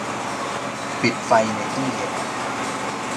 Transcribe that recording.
ปิดไฟในตู้เย็น